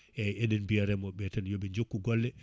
eyyi eɗen biya remoɓeɓe tan yooɓe jokku golle